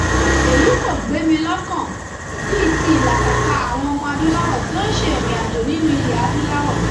Èyí kò gbé mi lọ́kàn bíi ti ìlàkàkà àwọn ọmọ-adúláwọ̀ tí ó ń ṣe ìrìnàjò nínúu ilẹ̀-adúláwọ̀.